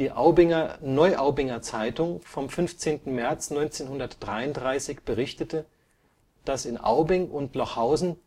Aubinger-Neuaubinger Zeitung vom 15. März 1933 berichtete, dass in Aubing und Lochhausen